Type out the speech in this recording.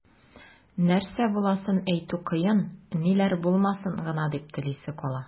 Нәрсә буласын әйтү кыен, ниләр булмасын гына дип телисе кала.